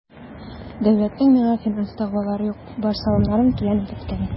Дәүләтнең миңа финанс дәгъвалары юк, бар салымнарым түләнеп беткән.